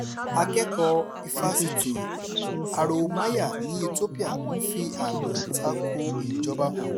Akẹ́kọ̀ọ́ Ifásitì Haromaya ní Ethiopia ń fi àmì ìtako ìjọba hàn.